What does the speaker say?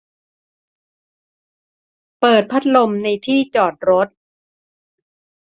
เปิดพัดลมในที่จอดรถ